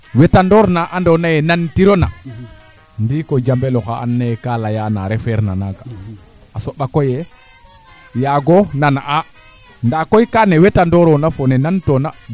nam waro nan gilooran bo an nee waroona inoor yaa o jofa no ndiing jokalante kaaga moƴa tax te roq kama saxa ke a fiya sensiblisation keeke